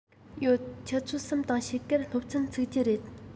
ཡོད ཆུ ཚོད གསུམ དང ཕྱེད ཀར སློབ ཚན ཚུགས ཀྱི རེད